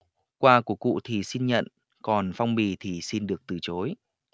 quà của cụ thì xin nhận còn phong bì thì xin được từ chối